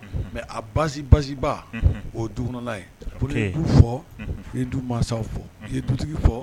Mɛ a basi basiba o dula ye ko ye du fɔ i ye du mansa fɔ i ye dutigi fɔ